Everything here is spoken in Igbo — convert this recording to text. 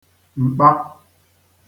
m̀kpa